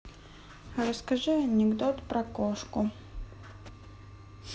расскажи анекдот про кошку